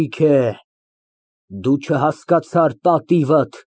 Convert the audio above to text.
Հերիք է։ Դու չհասկացար պատիվդ։